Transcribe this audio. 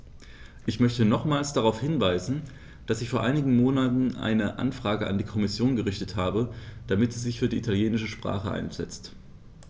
Ich möchte nochmals darauf hinweisen, dass ich vor einigen Monaten eine Anfrage an die Kommission gerichtet habe, damit sie sich für die italienische Sprache einsetzt.